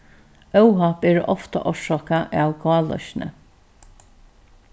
óhapp eru ofta orsakað av gáloysni